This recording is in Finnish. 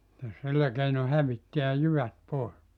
se sillä keinoin hävittää jyvät pois